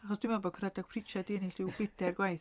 Achos dwi'n meddwl bod Caradog Pritchard 'di ennill ryw bedair gwaith.